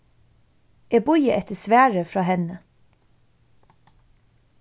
eg bíði eftir svari frá henni